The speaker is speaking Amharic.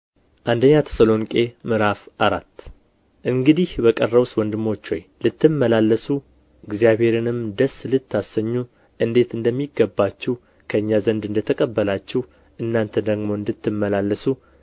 አንደኛ ተሰሎንቄ ምዕራፍ አራት እንግዲህ በቀረውስ ወንድሞች ሆይ ልትመላለሱ እግዚአብሔርንም ደስ ልታሰኙ እንዴት እንደሚገባችሁ ከእኛ ዘንድ እንደ ተቀበላችሁ እናንተ ደግሞ እንደምትመላለሱ